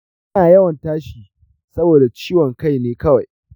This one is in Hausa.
ina yawan tashi saboda ciwon kai ne kawai